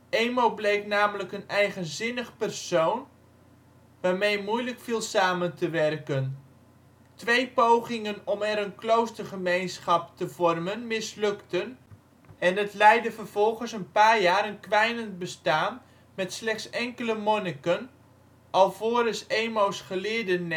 Emo bleek namelijk een eigenzinnig persoon, waarmee moeilijk viel samen te werken. Twee pogingen om er een kloostergemeenschap te vormen mislukten en het leidde vervolgens een paar jaar een kwijnend bestaan met slechts enkele monniken, alvorens Emo 's geleerde